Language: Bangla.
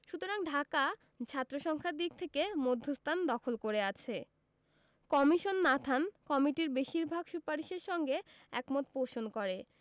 সুতরাং ঢাকা ছাত্রসংখ্যার দিক থেকে মধ্যস্থান দখল করে আছে কমিশন নাথান কমিটির বেশির ভাগ সুপারিশের সঙ্গে একমত পোষণ করে